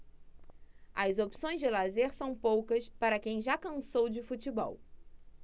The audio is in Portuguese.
as opções de lazer são poucas para quem já cansou de futebol